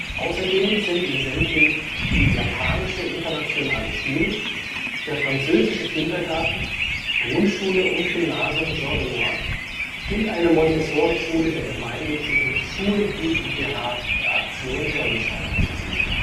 Außerdem sind in Sendling die Japanische Internationale Schule, der Französische Kindergarten, Grundschule und Gymnasium Jean Renoir und eine Montessorischule der gemeinnützigen Schul-GmbH der Aktion Sonnenschein angesiedelt